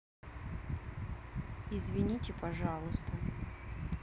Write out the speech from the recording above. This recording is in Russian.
извините пожалуйста